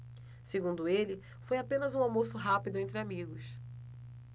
segundo ele foi apenas um almoço rápido entre amigos